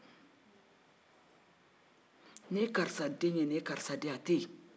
nin ye karisa den ye nin karisa den o tɛ yen